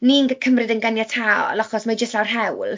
Ni'n cymryd e'n ganiatol achos mae jyst lawr hewl.